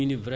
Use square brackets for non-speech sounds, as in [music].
[hesitation] [hesitation]